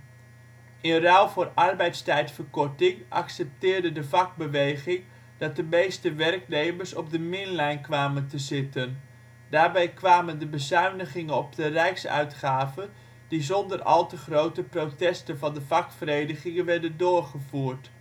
In ruil voor arbeidstijdverkorting accepteerde de vakbeweging, dat de meeste werknemers op de " min-lijn " kwamen te zitten. Daarbij kwamen de bezuinigingen op de Rijksuitgaven, die zonder al te grote protesten van de vakverenigingen werden doorgevoerd